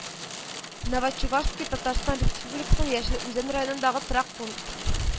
Новочувашский Татарстан Республикасының Яшел Үзән районындагы торак пункт